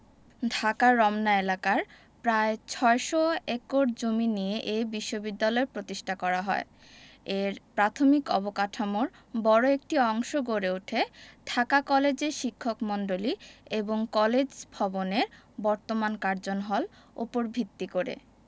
ঢাকার রমনা এলাকার প্রায় ৬০০ একর জমি নিয়ে এ বিশ্ববিদ্যালয় প্রতিষ্ঠা করা হয় এর প্রাথমিক অবকাঠামোর বড় একটি অংশ গড়ে উঠে ঢাকা কলেজের শিক্ষকমন্ডলী এবং কলেজ ভবনের বর্তমান কার্জন হল উপর ভিত্তি করে